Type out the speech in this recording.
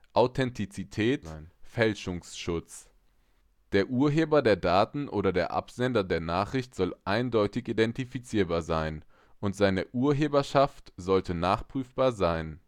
Authentizität/Fälschungsschutz: Der Urheber der Daten oder der Absender der Nachricht soll eindeutig identifizierbar sein, und seine Urheberschaft sollte nachprüfbar sein